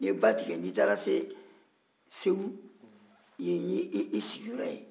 i bɛ ba tigɛ n'i taara se segu yen y'i sigiyɔrɔ ye